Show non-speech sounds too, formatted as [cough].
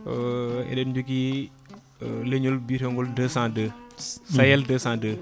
eɗen jogui leeñol mbiyetegol 202 [smacks lips] Sayel202